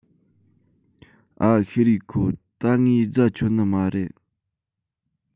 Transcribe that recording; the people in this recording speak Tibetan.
ཨ ཤི རེ ཁོ ད ངས རྫ ཆོད ནི མ རེད